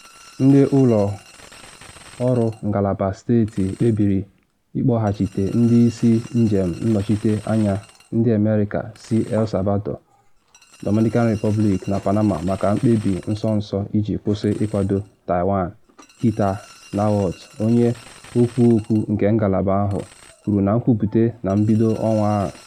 Ndị ụlọ ọrụ Ngalaba Steeti kpebiri ịkpọghachite ndị isi njem nnọchite anya ndị America si El Salvador, Dominican Republic na Panama maka “mkpebi nso nso iji kwụsị ịkwado Taiwan,” Heather Nauert, onye okwu okwu nke ngalaba ahụ, kwuru na nkwupute na mbido ọnwa a.